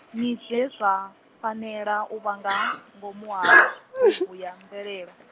ni zwe zwa, fanela u vha nga, ngomu ha , bugu ya mvelelo.